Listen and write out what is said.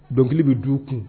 Dɔnkili bɛ du kun